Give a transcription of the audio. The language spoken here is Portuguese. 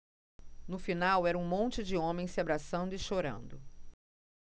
no final era um monte de homens se abraçando e chorando